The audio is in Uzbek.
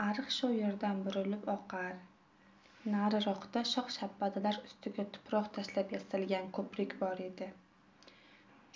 ariq shu yerdan burilib oqar nariroqda shox shabbalar ustiga tuproq tashlab yasalgan ko'prik bor edi